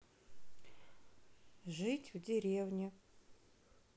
жить в деревне